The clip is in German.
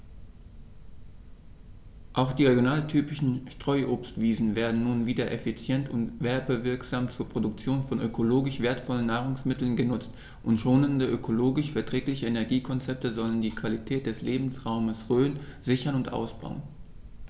Auch die regionaltypischen Streuobstwiesen werden nun wieder effizient und werbewirksam zur Produktion von ökologisch wertvollen Nahrungsmitteln genutzt, und schonende, ökologisch verträgliche Energiekonzepte sollen die Qualität des Lebensraumes Rhön sichern und ausbauen.